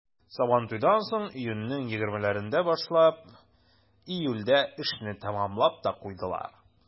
Сабантуйдан соң, июньнең 20-ләрендә башлап, июльдә эшне тәмамлап та куйдылар.